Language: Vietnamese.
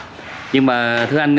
nhưng mà thưa anh